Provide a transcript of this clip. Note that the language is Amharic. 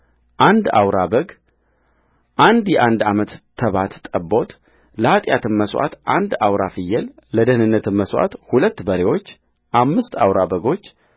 አንድ አውራ በግ አንድ የአንድ ዓመት ተባት ጠቦትለኃጢአትም መሥዋዕት አንድ አውራ ፍየልለደኅንነትም መሥዋዕት ሁለት በሬዎች አምስት አውራ በጎች